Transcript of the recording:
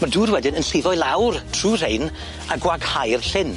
Ma'r dŵr wedyn yn llifo i lawr trw rhein a gwaghau'r llyn.